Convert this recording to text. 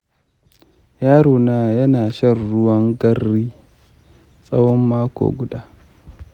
yaro na yana shan ruwan garri tsawon mako guda.